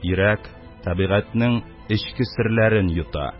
Йөрәк табигатьнең эчке серләрен йота